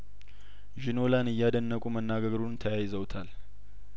ዢኖላን እያደነቁ መናገሩን ተያይዘውታል